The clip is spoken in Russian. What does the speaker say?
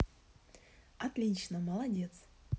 отлично молодец